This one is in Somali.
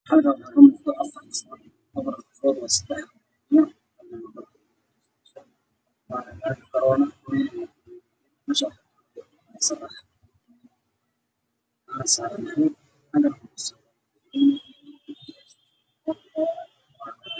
Waa niman salax kubad ku dheelayo sooga waa cagaar